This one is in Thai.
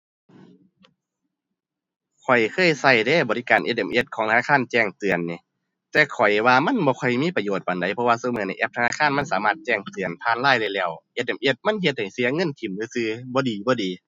ข้อยเคยใช้เดะ บริการ SMS ของธนาคารแจ้งเตือนหนิ แต่ข้อยว่ามันบ่ค่อยมีประโยชน์ปานใด เพราะว่าซุมื้อนี่แอปธนาคารมันสามารถแจ้งเตือนผ่าน LINE ได้แล้ว SMS มันเฮ็ดให้เสียเงินถิ้มซื่อซื่อ บ่ดีบ่ดี